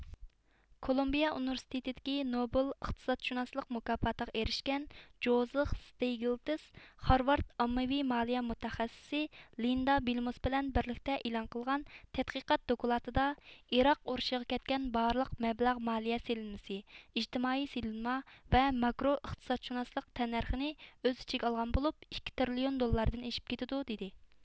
كولومبىيە ئۇنىۋېرسىتېتىدىكى نوبېل ئىقتىسادشۇناسلىق مۇكاپاتىغا ئېرىشكەن جوزىغ ستيېگلتىس خارۋارد ئاممىۋى مالىيە مۇتەخەسسىسى لىندا بىلمۇس بىلەن بىرلىكتە ئېلان قىلغان تەتقىقات دوكلاتىدا ئىراق ئۇرۇشىغا كەتكەن بارلىق مەبلەغ مالىيە سېلىنمىسى ئىجتىمائىي سېلىنما ۋە ماكرو ئىقتىسادشۇناسلىق تەننەرخىنى ئۆز ئىچىگە ئالغان بولۇپ ئىككى تىرىليون دوللاردىن ئېشىپ كېتىدۇ دىدى